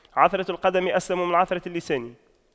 عثرة القدم أسلم من عثرة اللسان